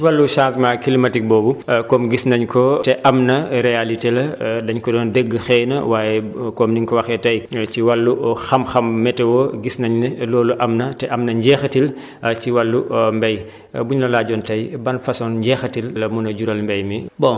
ci wàllu changement climatique boobu comme gis nañ ko te am na réalité la dañ ko doon dégg xëy na waaye comme ni nga ko waxee tey ci wàllu xam-xam météo gis nañ ne loolu am na te am na njeexital ci wàllu mbéy bu ñu la laajoon tey ban façon njeexital la mun a jural mbéy mi